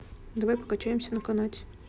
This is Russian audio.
давай покачаемся на канате